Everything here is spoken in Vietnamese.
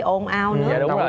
ồn ào nữa